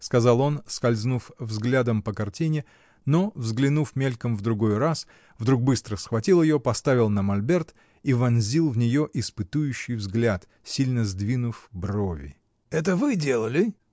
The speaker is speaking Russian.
— сказал он, скользнув взглядом по картине, но, взглянув мельком в другой раз, вдруг быстро схватил ее, поставил на мольберт и вонзил в нее испытующий взгляд, сильно сдвинув брови. — Это вы делали?